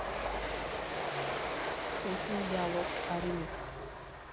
песня диалог а ремикс